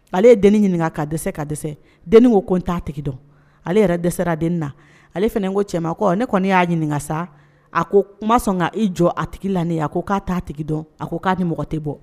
Ale ye den ɲininkaka ka dɛsɛ ka dɛsɛ denin ko ko n t' tigi dɔn ale yɛrɛ dɛsɛsera den na ale fana ko cɛ ne kɔni ne y'a ɲininkaka sa a ko kuma sɔn ka i jɔ a tigi la a ko k'a taa tigi dɔn a ko k'a ni mɔgɔ tɛ bɔ